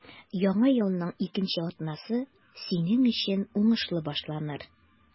Яңа елның икенче атнасы синең өчен уңышлы башланыр.